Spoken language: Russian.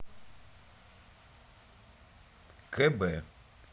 кб